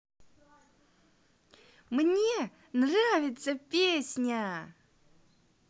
мне нравится песня